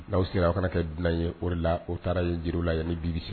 N'aw sera aw fana kɛ dunan ye o de la o taara ye jiri la ye ni bisiri